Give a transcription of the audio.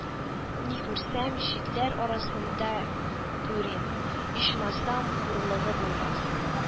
– ни күрсәм, читләр арасында күрим, ичмасам, хурлыгы булмас